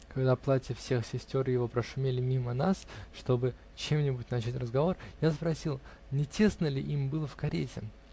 Когда платья всех сестер его прошумели мимо нас, чтобы чем-нибудь начать разговор, я спросил, не тесно ли им было в карете.